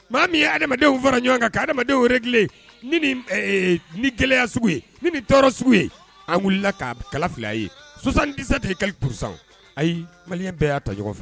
Maa min ye adamadenw fara ɲɔgɔn kan adamadamadenw ni gɛlɛyaya sugu ye ni tɔɔrɔ sugu ye an wulila k'a kala fila ye sonsandisa de ye kali kuru ayi mali bɛɛ y'a ta ɲɔgɔn fɛ